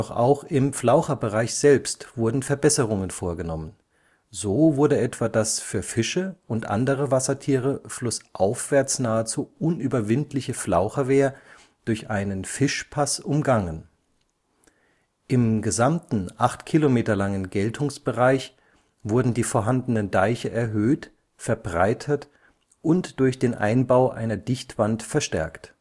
auch im Flaucherbereich selbst wurden Verbesserungen vorgenommen, so wurde etwa das für Fische und andere Wassertiere flussaufwärts nahezu unüberwindliche Flaucherwehr durch einen Fischpass umgangen. Im gesamten acht Kilometer langen Geltungsbereich wurden die vorhandenen Deiche erhöht, verbreitert und durch den Einbau einer Dichtwand verstärkt